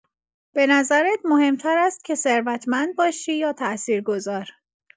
به نظرت مهم‌تر است که ثروتمند باشی یا تاثیرگذار؟